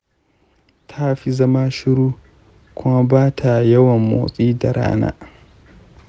ta fi zama shiru kuma ba ta yawan motsi da rana.